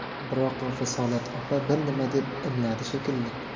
biroq risolat opa bir nima deb imladi shekilli